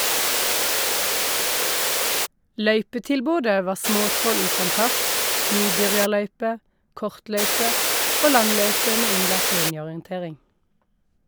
Løypetilbodet var småtroll utan kart, nybyrjarløype, kortløype og langløype med innlagt linjeorientering.